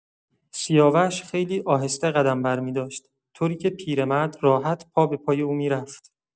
سیاوش خیلی آهسته قدم برمی‌داشت، طوری‌که پیرمرد راحت پابه‌پای او می‌رفت.